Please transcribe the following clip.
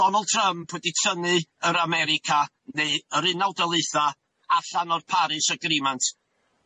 Donald Trump wedi tynnu yr America neu yr Unol Daleitha allan o'r Paris Agreement.